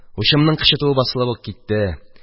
Учымның кычытуы басылып ук китте.